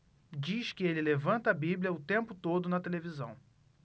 diz que ele levanta a bíblia o tempo todo na televisão